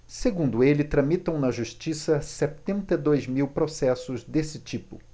segundo ele tramitam na justiça setenta e dois mil processos desse tipo